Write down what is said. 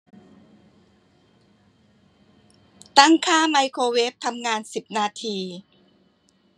ตั้งค่าไมโครเวฟทำงานสิบนาที